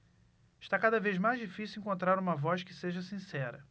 está cada vez mais difícil encontrar uma voz que seja sincera